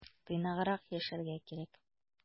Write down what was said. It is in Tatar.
Тыйнаграк яшәргә кирәк.